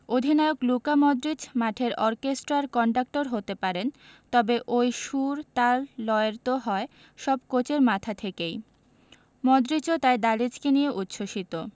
অধিনায়ক Luka Modric মাঠের অর্কেস্ট্রার কন্ডাক্টর হতে পারেন তবে ওই সুর তাল লয়ের তো হয় সব কোচের মাথা থেকেই মডরিচও তাই দালিচকে নিয়ে উচ্ছ্বসিত